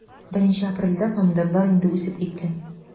1 апрельдә помидорлар инде үсеп киткән.